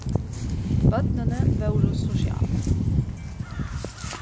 børnini vóru sosial